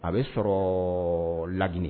A bɛ sɔrɔ lani